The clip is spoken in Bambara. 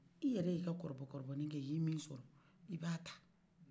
i yɛrɛ y'i ka kɔlɔbɔ nikɛ i ye min sɔrɔ i b'a ta